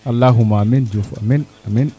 alahouma amiin Diouf amiin